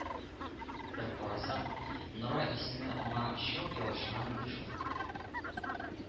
Бер карасаң, Нора исеме аңа чат ябышкан иде шул